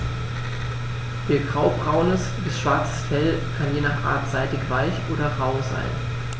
Ihr graubraunes bis schwarzes Fell kann je nach Art seidig-weich oder rau sein.